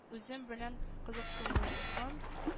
Үзем белән кызыксынуын